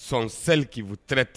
Son seliki u tɛ ten